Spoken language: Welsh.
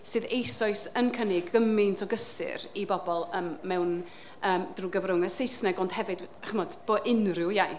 sydd eisoes yn cynnig gymaint o gysur i bobl yym mewn yym drwy gyfrwng y Saesneg, ond hefyd chimod bod unrhyw iaith.